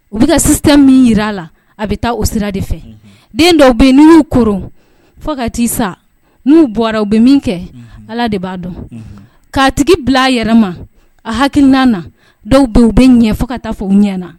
U bɛ systëme min jira a la a bɛ ka taa o sira de fɛ, unhun, den dɔw bɛ n'i y'u koron fɔ ka t'i sa, unhun, n'u bɔra u bɛ min kɛ allah de b'a dɔn k'a tigi bila a yɛrɛ ma a hakilinan la dɔw bɛ yen u bɛ ɲɛ fo ka taa fɔ u ɲɛ na.